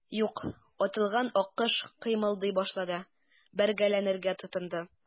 Юк, атылган аккош кыймылдый башлады, бәргәләнергә тотынды.